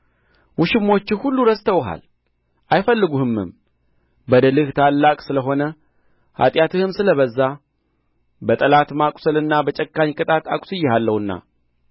ውሽሞችህ ሁሉ ረስተውሃል አይፈልጉህምም በደልህ ታላቅ ስለሆነ ኃጢአትህም ስለ በዛ በጠላት ማቍሰልና በጨካኝ ቅጣት አቍስዬሃለሁና